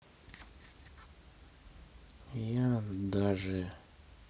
я даже